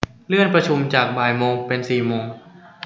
เลื่อนประชุมจากบ่ายโมงเป็นสี่โมง